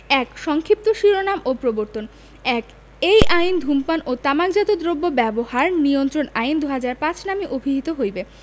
১ সংক্ষিপ্ত শিরোনাম ও প্রবর্তনঃ ১ এই অঅইন ধূমপান ও তামাকজাত দ্রব্য ব্যবহার নিয়ন্ত্রণ আইন ২০০৫ নামে অভিহিত হইবে